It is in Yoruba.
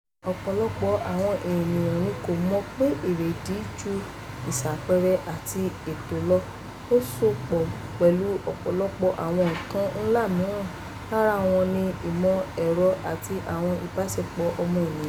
Ọ̀pọ̀lọpọ̀ àwọn ènìyàn ní kò mọ̀ pé èrèdí ju ìṣàpẹẹrẹ àti ètò lọ - ó so pọ̀ pẹ̀lú ọ̀pọ̀lọpọ̀ àwọn nǹkan ńlá míràn, lára wọn ni ìmọ̀ ẹ̀rọ àti àwọn ìbáṣepọ̀ ọmọnìyàn.